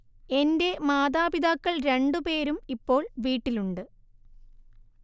എന്റെ മാതാപിതാക്കൾ രണ്ടുപേരും ഇപ്പോൾ വീട്ടിലുണ്ട്